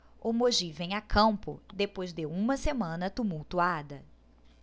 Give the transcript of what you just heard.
o mogi vem a campo depois de uma semana tumultuada